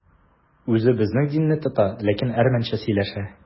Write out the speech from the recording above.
Үзе безнең динне тота, ләкин әрмәнчә сөйләшә.